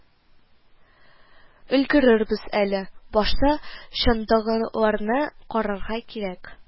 Өлгерербез әле, башта чандагыларны карарга кирәк